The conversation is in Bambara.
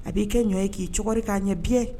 A b'i kɛ ɲɔ ye k'i cogoɔri k'a ɲɛ bi